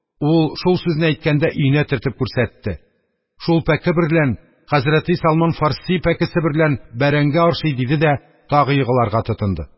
– ул, шул сүзне әйткәндә, өенә төртеп күрсәтте: – шул пәке берлән, хәзрәти сәлман фарси пәкесе берлән, бәрәңге арчый!.. – диде дә тагы егларга тотынды.